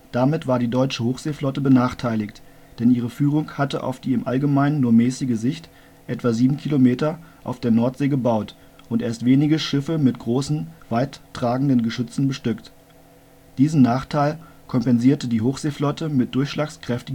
Damit war die deutsche Hochseeflotte benachteiligt, denn ihre Führung hatte auf die im allgemeinen nur mäßige Sicht - etwa 7 Kilometer - auf der Nordsee gebaut und erst wenige Schiffe mit großen, weittragenden Geschützen bestückt. Diesen Nachteil kompensierte die Hochseeflotte mit durchschlagskräftigeren Granaten